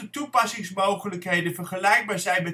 toepassingsmogelijkheden vergelijkbaar zijn